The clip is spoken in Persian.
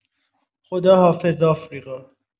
خداحافظ آفریقا